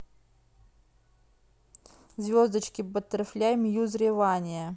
звездочки баттерфляй мьюзревание